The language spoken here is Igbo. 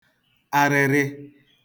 arịrị